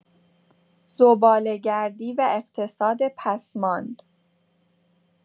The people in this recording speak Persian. زباله‌گردی و اقتصاد پسماند